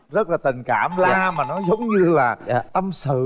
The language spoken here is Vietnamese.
rất là tình cảm la mà nó giống như là tâm sự